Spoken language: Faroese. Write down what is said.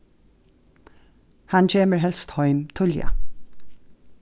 hann kemur helst heim tíðliga